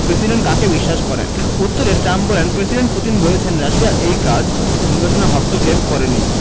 president কাকে বিশ্বাস করেন উত্তরে ট্রাম্প বললেন প্রেসিডেন্ট পুতিন বলেছেন রাশিয়া এই কাজ নির্বাচনে হস্তক্ষেপ করেনি